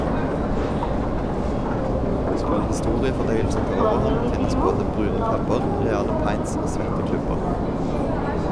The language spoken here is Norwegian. Skulle historiefordøyelsen ta overhånd, finnes både brune puber, reale pints og svette klubber.